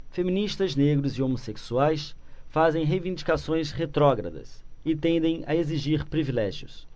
feministas negros e homossexuais fazem reivindicações retrógradas e tendem a exigir privilégios